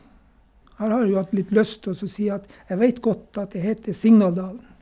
Jeg har jo hatt litt lyst til å så si at Jeg vet godt at det heter Signaldalen.